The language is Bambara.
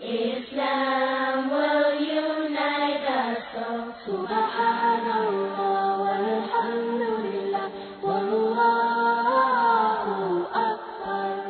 Y mɔgɔ y yoinɛ wa laban yo